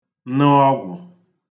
nə ọgwụ